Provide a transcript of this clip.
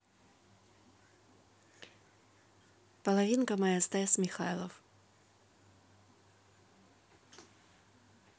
половинка моя стас михайлов